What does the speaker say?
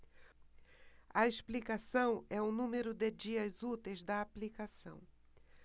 a explicação é o número de dias úteis da aplicação